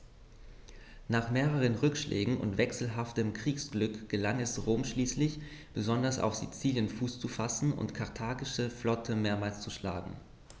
Nach mehreren Rückschlägen und wechselhaftem Kriegsglück gelang es Rom schließlich, besonders auf Sizilien Fuß zu fassen und die karthagische Flotte mehrmals zu schlagen.